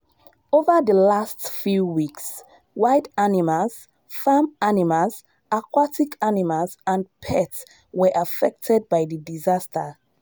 Over the last few weeks, wild animals, farm animals, aquatic animals and pets were affected by the disaster.